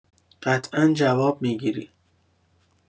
قطعا جواب می‌گیری